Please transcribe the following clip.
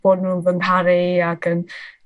bod nhw yn fy ngharu ag yn